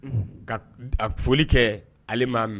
Ka ka foli kɛ, ale m'a mɛn.